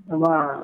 Nba